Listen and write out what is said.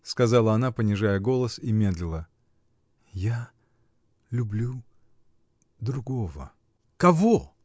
— сказала она, понижая голос, и медлила. — Я. люблю. другого. — Кого?